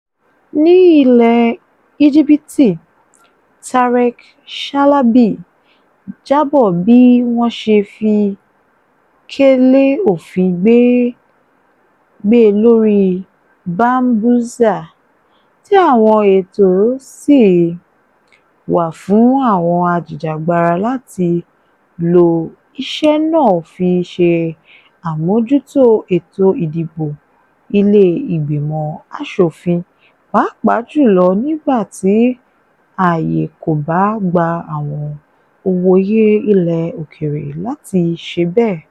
Ní ilẹ̀ Íjíbítì Tarek Shalaby jábọ̀ bí wọ́n ṣe fi kélé òfin gbé e lórí Bambuser, tí àwọn ètò sì wà fún àwọn ajìjàgbara láti lo iṣẹ́ náà fi ṣe àmójútó ètò ìdìbò ilé ìgbìmọ̀ aṣòfin pàápàá jùlọ nígbà tí ààyè kò bá gba àwọn òǹwòye ilẹ̀ òkèèrè láti ṣe bẹ́ẹ̀.